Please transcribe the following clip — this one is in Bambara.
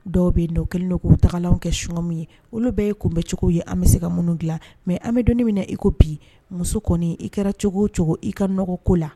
Dɔw bɛ yen nɔ u kɛlen do k'u taagalan kɛ chewing-gum ye olu bɛɛ ye kunbɛn cogo ye an bɛ se ka minnu dilan mais an bɛ donni min na i ko bi muso kɔni i kɛra cogo o cogo i ka nɔgɔko la